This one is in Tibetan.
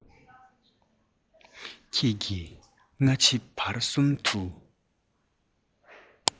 ཁྱོད ཀྱིས སྔ ཕྱི བར གསུམ དང